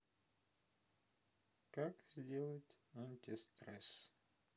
как сделать антистресс